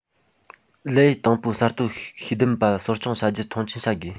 ལས ཡུལ དང པོའི གསར གཏོད ཤེས ལྡན པ གསོ སྐྱོང བྱ རྒྱུར མཐོང ཆེན བྱ དགོས